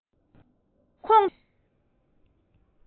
ཁོང དུ ཆུད པ བྱེད ཀྱི ཡོད